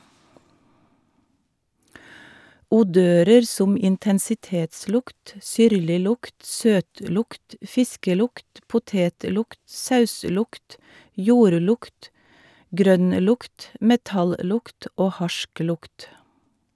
Odører som intensitetslukt, syrliglukt, søtlukt, fiskelukt , potetlukt, sauslukt, jordlukt, grønnlukt , metallukt og harsklukt.